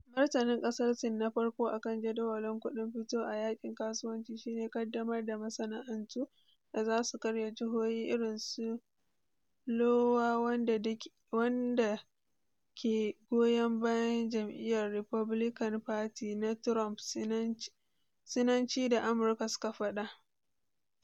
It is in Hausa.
Martanin kasar Sin na farkon akan jadawalin kuɗin fito a yakin kasuwanci shi ne kaddamar da masana'antu da za su karya jihohi irin su Iowa wanda dake goyon bayan Jam'iyyar Republican Party na Trump, Sinanci da Amurka suka fada.